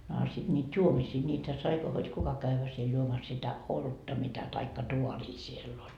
no a sitten niitä juomisia niitä sai hod kuka käydä siellä juomassa sitä olutta mitä tai taaria siellä oli